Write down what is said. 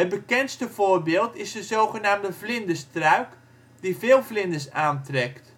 bekendste voorbeeld is de zogenaamde vlinderstruik, die veel vlinders aantrekt